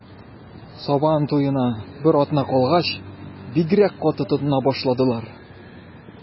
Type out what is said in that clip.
Сабан туена бер атна калгач, бигрәк каты тотына башладылар.